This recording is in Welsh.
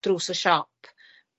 drws y siop